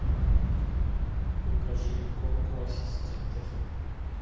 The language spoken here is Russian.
покажи иконку ассистентов